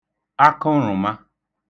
akụṙụ̀ma